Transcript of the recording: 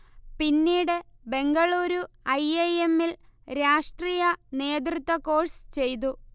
പിന്നീട് Bengaluru I. I. എമ്മിൽ രാഷ്ട്രീയ നേതൃത്വ കോഴ്സ് ചെയ്തു